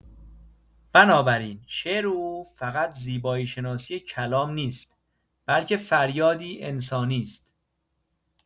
بنابراین شعر او فقط زیبایی‌شناسی کلام نیست، بلکه فریادی انسانی است.